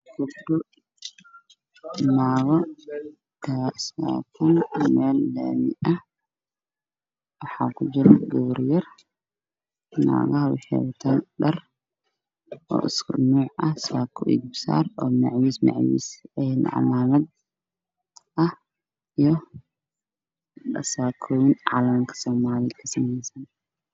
Gabdho naago ku waa soo taagan meel laami ah waxaa ku jira gabar naagaha waxay wataan dhar isku nuuc ah saako iyo garbosaar oo macows macows ah ymacows iyo saakooyin calanka soomaaliya ka samaysan.